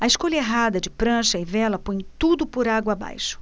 a escolha errada de prancha e vela põe tudo por água abaixo